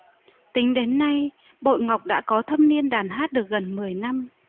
tính đến nay bội ngọc đã có thâm niên đàn hát được gần mười năm